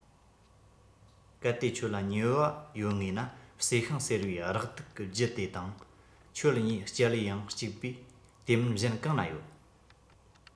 གལ ཏེ ཁྱོད ལ ཉེ བ ཡོད ངེས ན བསེ ཤིང ཟེར བའི རེག དུག གི རྒྱུ དེ དང ཁྱོད གཉིས སྐྱེ ཡུལ ཡང གཅིག པས དེ མིན གཞན གང ན ཡོད